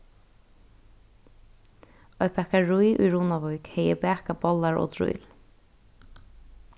eitt bakarí í runavík hevði bakað bollar og drýl